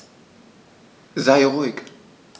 Sei ruhig.